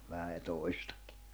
vähän jo toistakin